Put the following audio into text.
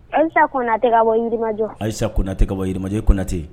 Aicha Konate ka bɔ Yirimajɔ Aicha Konate ka bɔ Yirimajɔ i Konate